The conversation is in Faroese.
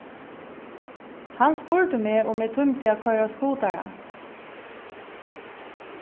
hann spurdi meg um eg tímdi at koyra skutara